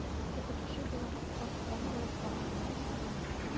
Укытучы буларак артта калып барганымны сизәм.